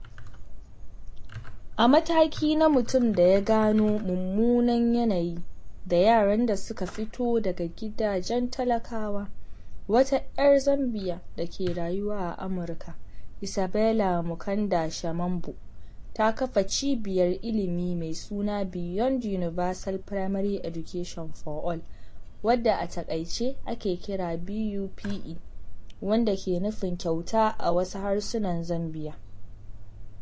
A mataki na mutum daya, gano mummunan yanayin da yaran da suka fito daga gidajen talakawa, wata 'yar Zambiya da ke rayuwa a Amurka, Isabella Mukanda Shamambo, ta kafa cibiyar ilimi mai suna Beyond Universal Primary Education for All, wadda a taƙaice ake kira, BUPE (wanda ke nufin “kyauta” a wasu harsunan Zambiya).